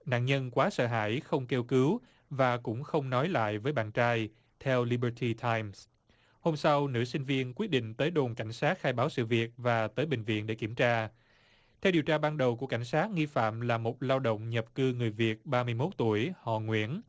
nạn nhân quá sợ hãi không kêu cứu và cũng không nói lại với bạn trai theo li bơ ty tham hôm sau nữ sinh viên quyết định tới đồn cảnh sát khai báo sự việc và tới bệnh viện để kiểm tra theo điều tra ban đầu của cảnh sát nghi phạm là một lao động nhập cư người việt ba mươi mốt tuổi họ nguyễn